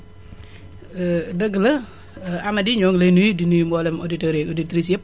dëgg la Amady ñoo ngi lay nuyu di nuyu mboolem auditeurs yeeg auditrices yépp